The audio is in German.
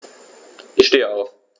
Ich stehe auf.